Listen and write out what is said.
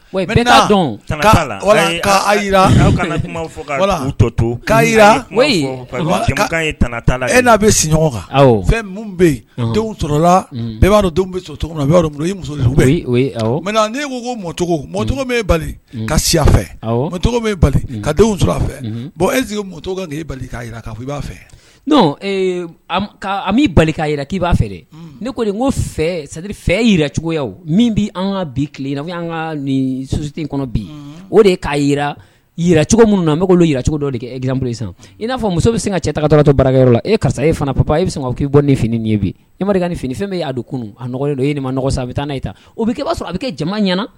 A e n'a kan bɛ b'a ka e jira b'a fɛ' jira k ba fɛ ne ko ko sadi fɛ jiracogoya min bɛ ka bi tilen ka nin suti kɔnɔ bi o de k'a jira cogo min na bɛolucogo dɔ de kɛ bolo i n'a muso bɛ se ka cɛ tagatɔtɔ barayɔrɔ la e karisa e fana pa e bɛ k'i bɔ ne fini ye bi i mari fini fɛn b'a don kun a i nin ma sa a bɛ taa n''a sɔrɔ a bɛ kɛ ɲɛna